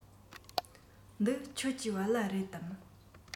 འདི ཁྱོད ཀྱི བལ ལྭ རེད དམ